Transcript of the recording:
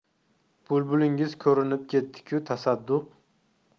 bulbulingiz ko'rinib ketdi ku tasadduq